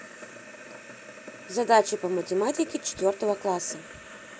задачи по математике четвертого класса